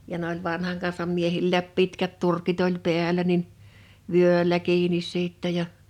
ja ne oli vanhan kansan miehilläkin pitkät turkit oli päällä niin vyöllä kiinni sitten ja